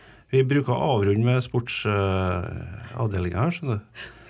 vi bruker å avrunde med sportsavdelinga her skjønner du.